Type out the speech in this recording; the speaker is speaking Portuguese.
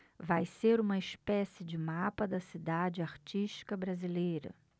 vai ser uma espécie de mapa da cidade artística brasileira